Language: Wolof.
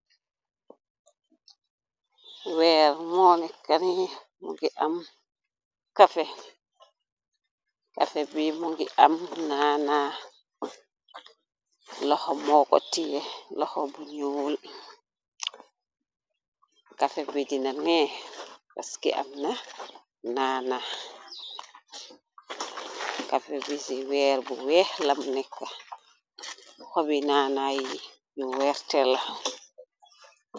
Weer monekan kafe bi mu ngi am nana loxo mo ko tie loxo buñu kafe bi dina nee pas ki am na nana kafe bii weer bu wee lam nekk xobi nana yi yu weerte la.